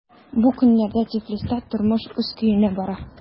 Бу көннәрдә Тифлиста тормыш үз көенә бара.